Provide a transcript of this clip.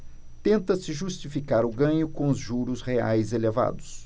tenta-se justificar o ganho com os juros reais elevados